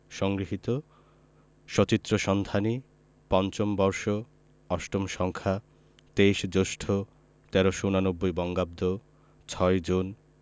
সংগৃহীত সচিত্র সন্ধানী৫ম বর্ষ ৮ম সংখ্যা ২৩ জ্যৈষ্ঠ ১৩৮৯ বঙ্গাব্দ ৬ জুন